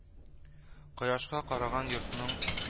Кояшка караган йортның